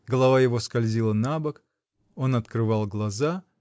Голова его скользила набок, он открывал глаза.